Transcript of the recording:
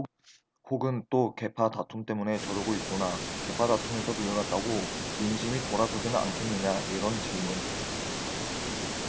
혹은 또 계파 다툼 때문에 저러고 있구나 계파다툼에서 밀려났다고 민심이 돌아서지는 않겠느냐 이런 질문